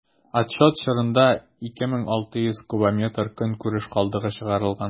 Отчет чорында 2600 кубометр көнкүреш калдыгы чыгарылган.